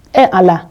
E a la